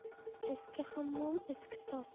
eski hammom eski tos